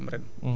ñoo bokk même